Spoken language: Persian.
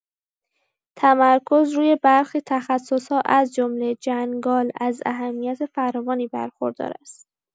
تمرکز روی برخی تخصص‌ها از جمله جنگال از اهمیت فراوانی برخوردار است.